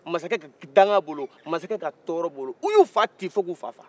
masakɛ ka danka bolo masakɛ ka tɔɔrɔ bolo u y'u fa ci fo k'a faga